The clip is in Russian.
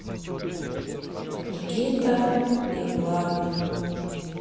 никита и влад